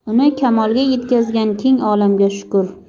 uni kamolga yetkazgan keng olamga shukur